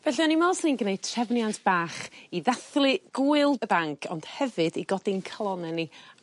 Felly o'n i me'wl swn i'n gneud trefniant bach i ddathlu gŵyl y banc ond hefyd i godi'n calone ni